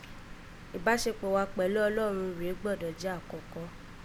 Ìbásekpọ̀ wa kpẹ̀lú Ọlọ́run rèé gbọ́dọ̀ jẹ́ àkọ́kọ́